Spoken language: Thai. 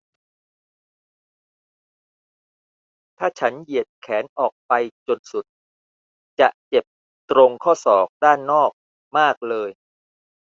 ถ้าฉันเหยียดแขนออกไปจนสุดจะเจ็บตรงข้อศอกด้านนอกมากเลย